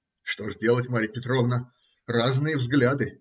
- Что же делать, Марья Петровна! Разные взгляды.